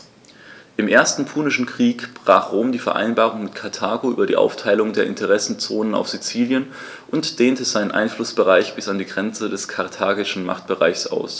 Im Ersten Punischen Krieg brach Rom die Vereinbarung mit Karthago über die Aufteilung der Interessenzonen auf Sizilien und dehnte seinen Einflussbereich bis an die Grenze des karthagischen Machtbereichs aus.